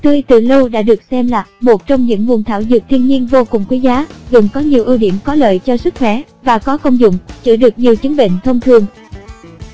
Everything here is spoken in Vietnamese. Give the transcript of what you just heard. gừng tươi từ lâu đã được xem là một trong những nguồn thảo dược thiên nhiên vô cùng quý giá gừng có nhiều ưu điểm có lợi cho sức khoẻ và có công dụng chữa được nhiều chứng bệnh thông thường